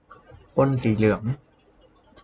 ปล้นสีเหลือง